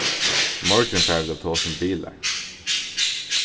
morgin fara vit at tosa um bilar